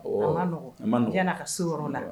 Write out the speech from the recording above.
Ka so yɔrɔ la